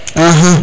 axa